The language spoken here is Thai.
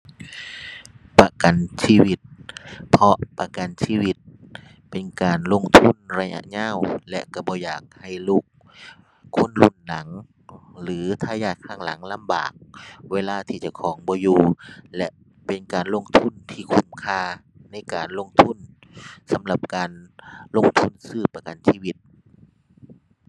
ประกันชีวิตเพราะประกันชีวิตเป็นการลงทุนระยะยาวและก็บ่อยากให้ลูก คนรุ่นหลัง หรือทายาทข้างหลังลำบาก เวลาที่เจ้าของบ่อยู่ และเป็นการลงทุนที่คุ้มค่าในการลงทุน สำหรับการลงทุนซื้อประกันชีวิต